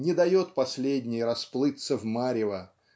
не дает последней расплыться в марево